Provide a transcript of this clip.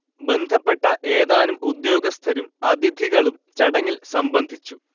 ബന്ധപ്പെട്ട ഏതാനും ഉദ്യോഗസ്ഥരും അതിഥികളും ചടങ്ങിൽ സംബന്ധിച്ചു